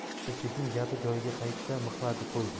asadbekning gapi joyiga qayta mixladi qo'ydi